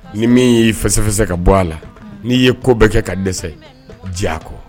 Ni min y'i fɛsɛfɛsɛ ka bɔ a la n'i ye ko bɛ kɛ ka dɛsɛ diya a kɔ